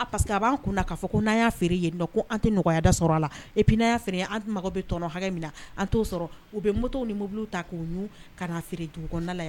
Parceseke a b'an kun na k'a fɔ n'a y'a feere yen ko an tɛ nɔgɔyaya da sɔrɔ a la epina'a an tɛ mako bɛ tɔnɔnɔ hakɛ min na an to sɔrɔ u bɛ motow ni mobili ta k'o ka feere jugu